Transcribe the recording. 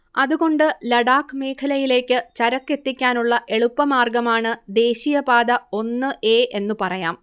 അതുകൊണ്ട് ലഡാക് മേഖലയിലേക്ക് ചരക്കെത്തിക്കാനുള്ള എളുപ്പമാർഗ്ഗമാണ് ദേശീയ പാത ഒന്ന് എ എന്നു പറയാം